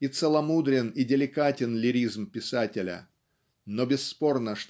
и целомудрен и деликатен лиризм писателя но бесспорно